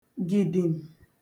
gìdìm